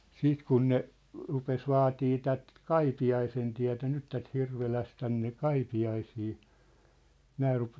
sitten kun ne rupesi vaatimaan tätä Kaipiaisentietä nyt tätä Hirvelässä tänne Kaipiaisiin nämä -